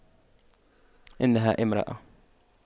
انها امرأة